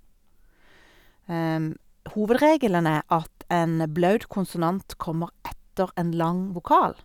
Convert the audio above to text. Hovedregelen er at en blaut konsonant kommer etter en lang vokal.